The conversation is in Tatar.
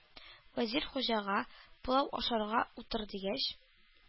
Вәзир Хуҗага, пылау ашарга утыр, дигәч,